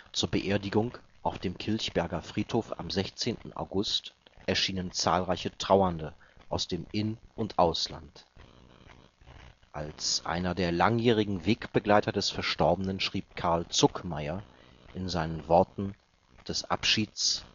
Zur Beerdigung auf dem Kilchberger Friedhof am 16. August erschienen zahlreiche Trauernde aus dem In - und Ausland. Als einer der langjährigen Wegbegleiter des Verstorbenen schrieb Carl Zuckmayer in seinen Worten des Abschieds